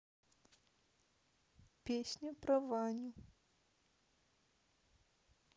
песня про ваню